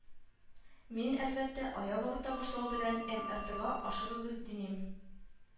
Мин, әлбәттә, аяк авырта башлау белән, эМэРТэга ашыгыгыз димим